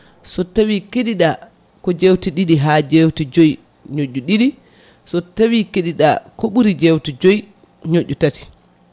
so tawi kaɗiɗa ko jewte ɗiɗi ha jewte joyyi ñoƴƴu ɗiɗi so tawi keɗiɗa ko ɓuuri jewte joyyi ñoƴƴu tati